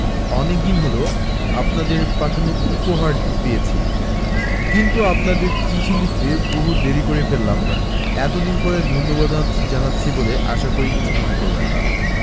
অনেকদিন হল আপনাদের পাঠানো উপহার পেয়েছি কিন্তু আপনাদের চিঠি লিখতে বহু দেরী করে ফেললাম এতদিন পরে ধন্যবাদ জানাচ্ছি বলে আশা করি কিছু মনে করবেন না